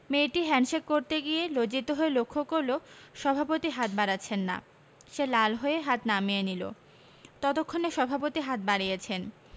মেয়েটি হ্যাণ্ডশেক করতে গিয়ে লজ্জিত হয়ে লক্ষ্য করল সভাপতি হাত বাড়াচ্ছেন না সে লাল হয়ে হাত নামিয়ে নিল ততক্ষনে সভাপতি হাত বাড়িয়েছেন